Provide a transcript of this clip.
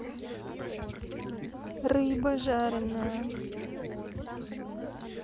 рыба жаренная